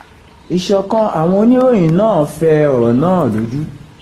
Ìsọ̀kan àwọn Oníròyìn náà fẹ ọ̀rọ̀ náà lójú: